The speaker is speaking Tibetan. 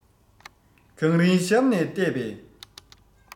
གངས རིའི ཞབས ནས ལྟས པས